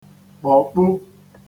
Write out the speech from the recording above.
kpọ̀kpu